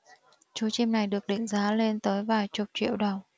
chú chim này được định giá lên tới vài chục triệu đồng